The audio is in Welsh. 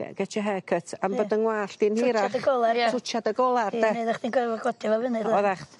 Get your hair cut. Am bod 'yn wallt i'n hirach. Twtsiad dy goler. Ie. Twtsiad dy golar 'de. Ia. Ne' oddach chdi'n gorfod codi o i fyny ? Oddacht.